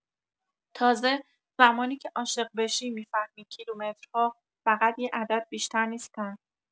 تازه زمانی که عاشق بشی می‌فهمی کیلومترها فقط یه عدد بیشتر نیستن!